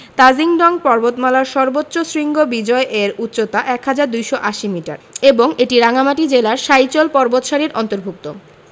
তাজিং ডং পর্বতমালার সর্বোচ্চ শৃঙ্গ বিজয় এর উচ্চতা ১হাজার ২৮০ মিটার এবং এটি রাঙ্গামাটি জেলার সাইচল পর্বতসারির অন্তর্ভূক্ত